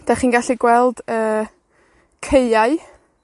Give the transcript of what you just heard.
'Dych chi'n gallu gweld y caeau.